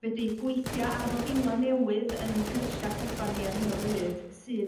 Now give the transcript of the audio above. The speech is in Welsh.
fedru gweithio ar fodiwla' newydd yn yn cyrsia' Caban ni ar hyn o bryd sydd